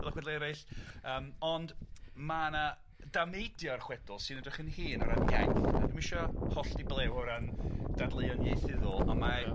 fel y chwedla eraill yym ond ma' 'na dameidie o'r chwedl sy'n edrych yn hŷn o ran iaith, a dwi'm isio hollti blew o ran dadleuon ieithyddol, a mae... Ia.